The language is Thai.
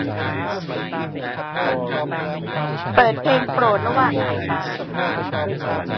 เปิดเพลงโปรดระหว่างอาบน้ำ